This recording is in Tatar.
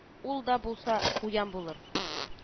Ул да булса куян булыр